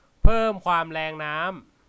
เพิ่มความแรงน้ำ